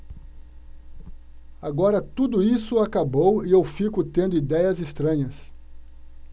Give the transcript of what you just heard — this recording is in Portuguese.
agora tudo isso acabou e eu fico tendo idéias estranhas